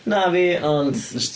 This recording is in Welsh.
Na fi, ond...